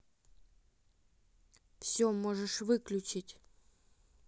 все можешь выключать